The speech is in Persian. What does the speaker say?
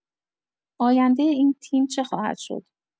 آینده این تیم چه خواهد شد؟